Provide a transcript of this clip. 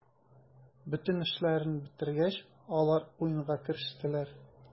Бөтен эшләрен бетергәч, алар уенга керештеләр.